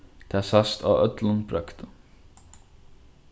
tað sæst á øllum brøgdum